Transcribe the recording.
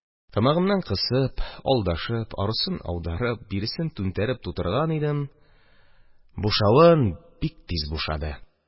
Тамагымнан кысып, алдашып, арысын аударып, биресен түнтәреп тутырган идем, бушавын бик тиз бушады.